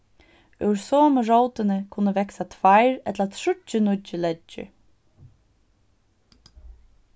úr somu rótini kunnu vaksa tveir ella tríggir nýggir leggir